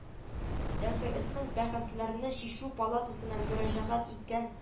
Эрфээсның бәхәсләрне чишү палатасына мөрәҗәгать иткән